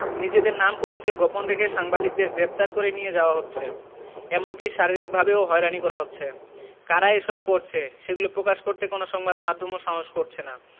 নিজেদের নাম পরিচয় গোপন রেখে সাংবাদিকদের গ্রেপ্তার করে নিয়ে যাওয়া হচ্ছে এমনকি শারীরিকভাবেও হয়রানি করা হচ্ছে কারা এসব করছে সেগুলো প্রকাশ করতে কোনো সংবাদ মাধ্যমও সাহস করছে না